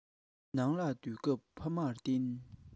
ནང ལ སྡོད སྐབས ཕ མར བརྟེན